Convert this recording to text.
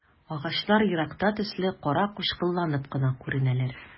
Агачлар еракта төсле каракучкылланып кына күренәләр.